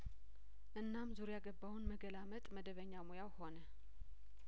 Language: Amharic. እናም ዙሪያገባውን መገላመጥ መደበኛ ሙያው ሆነ